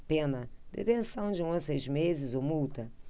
pena detenção de um a seis meses ou multa